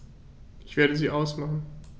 Ich werde sie ausmachen.